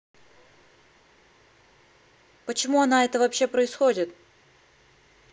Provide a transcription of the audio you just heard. почему она это вообще происходит